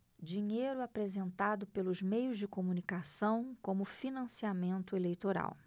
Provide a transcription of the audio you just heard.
dinheiro apresentado pelos meios de comunicação como financiamento eleitoral